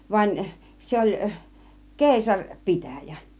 vaan se oli - keisaripitäjä